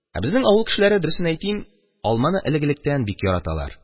Ә безнең авыл кешеләре, дөресен әйтим, алманы элек-электән бик яраталар.